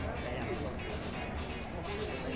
Әрәм булып куюыбыз бар